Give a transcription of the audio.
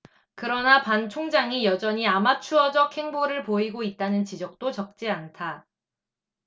그러나 반 총장이 여전히 아마추어적 행보를 보이고 있다는 지적도 적지 않다